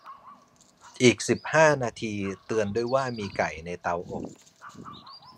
อีกสิบหน้านาทีเตือนด้วยว่ามีไก่ในเตาอบ